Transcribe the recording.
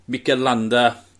Mikel Landa